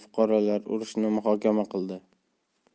fuqarolar urushini muhokama qildi